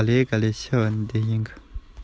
ཞི མི ཞེས འབོད ཀྱིན འདུག